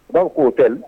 Baw k'o kɛ